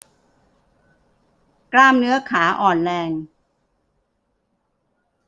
กล้ามเนื้อขาอ่อนแรง